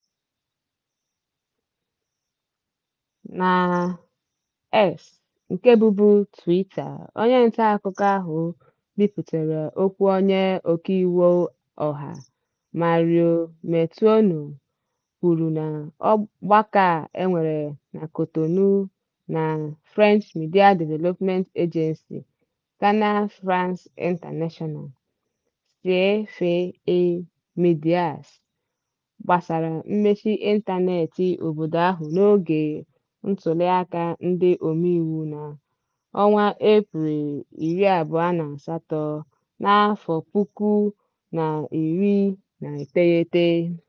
Na X (nke bụbu Twitter), onye ntaakụkọ ahụ bipụtara okwu onye ọkàiwu ọha, Mario Metonou, kwuru n'ọgbakọ e nwere na Cotonou na French Media Development Agency, Canal France International (CFI Médias), gbasara mmechi ịntaneetị obodo ahụ n'oge ntuliaka ndị omeiwu n'Eprel 28, 2019.